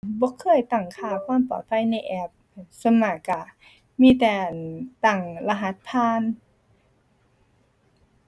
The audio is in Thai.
บ่เคยตั้งค่าความปลอดภัยในแอป ส่วนมากก็มีแต่ อั่น ตั้งรหัสผ่าน